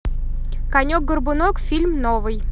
конек горбунок фильм новый